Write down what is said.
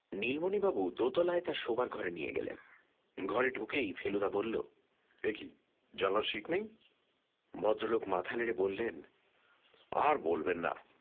নীলমণিবাবু দোতলায় তাঁর শোবার ঘরে নিয়ে গেলেন ঘরে ঢুকেই ফেলুদা বলল এ কী জানলার শিক নেই ভদ্রলোক মাথা নেড়ে বললেন আর বলবেন না